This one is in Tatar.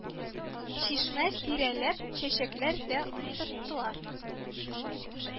Чишмә тирәләп чәчәкләр дә утырттылар